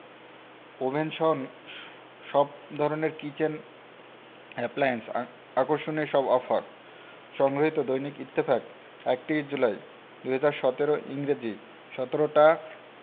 ওভেনসন সব ধরনের কিচেন অ্যাপ্লায়েন্সে আকর্ষণীয় সব অফার সংগৃহীত দৈনিক ইত্তেফাক ৩১ জুলাই ২০১৭ ইংরেজি ১৭ টা